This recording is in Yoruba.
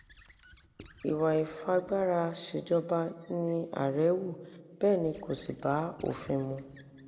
Ìwà ìfagbáraṣèjọba ni ààrẹ hù, bẹ́ẹ̀ ni kò sì bá òfin mú.